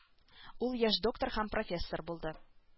Ул яшь доктор һәм профессор булды